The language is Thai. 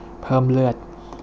เพิ่มเลือด